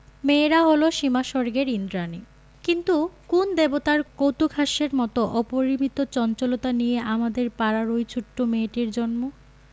মেয়েরা হল সীমাস্বর্গের ঈন্দ্রাণী কিন্তু কোন দেবতার কৌতূকহাস্যের মত অপরিমিত চঞ্চলতা নিয়ে আমাদের পাড়ার ঐ ছোট মেয়েটির জন্ম